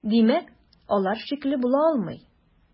Димәк, алар шикле була алмый.